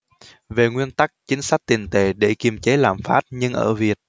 về nguyên tắc chính sách tiền tệ để kiềm chế lạm phát nhưng ở việt